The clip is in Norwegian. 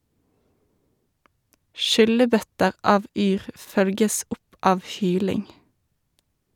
Skyllebøtter av yr følges opp av hyling.